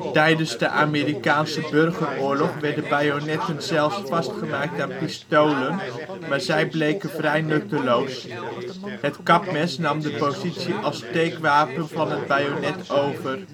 Tijdens de Amerikaanse Burgeroorlog werden bajonetten zelfs vastgemaakt aan pistolen, maar zij bleken vrij nutteloos. Het kapmes nam de positie als steekwapen van het bajonet over